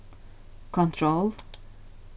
control